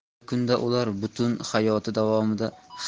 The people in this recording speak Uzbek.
bir kunda ular butun hayoti davomida